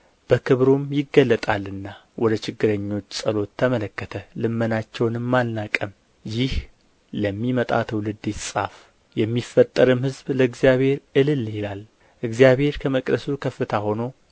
በክብሩም ይገለጣልና ወደ ችግረኞች ጸሎት ተመለከተ ልመናቸውንም አልናቀም ይህ ለሚመጣ ትውልድ ይጻፍ የሚፈጠርም ሕዝብ ለእግዚአብሔር እልል ይላል እግዚአብሔር ከመቅደሱ ከፍታ ሆኖ